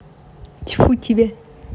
тьфу тебя